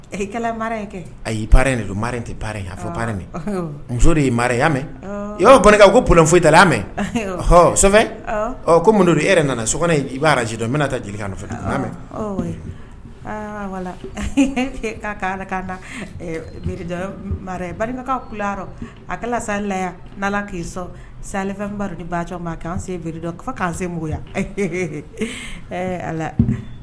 Kɛ a y don tɛ baara muso de y'iya mɛn i y'kɛ ko p foyi da mɛn ko don e yɛrɛ nana so b'azdɔn bɛna taa jelikɛkan nɔfɛ mɛn wala k'a ala' mara barika a salaya' k'i sɔn sa ni baj ma an' an se muya